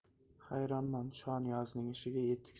hayronman shoniyozning ishiga etik